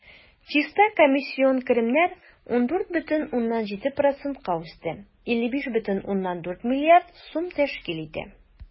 Чиста комиссион керемнәр 14,7 %-ка үсте, 55,4 млрд сум тәшкил итте.